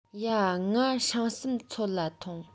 ཡ ངའ སྲང གསུམ ཚོད ལ ཐོངས